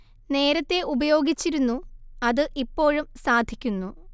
നേരത്തേ ഉപയോഗിച്ചിരുന്നു അത് ഇപ്പോഴും സാധിക്കുന്നു